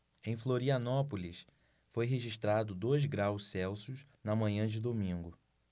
em florianópolis foi registrado dois graus celsius na manhã de domingo